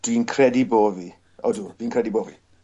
dwi'n credu bo' fi. Odw fi'n credu bo' fi.